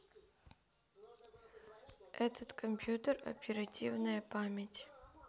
этот компьютер оперативная память